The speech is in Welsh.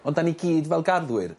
Ond 'dan ni gyd fel garddwyr